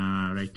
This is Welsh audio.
Ah, reit.